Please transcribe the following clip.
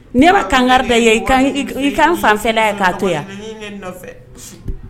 Ne ma kankarida ye i ka fanfɛla yan k'a to yan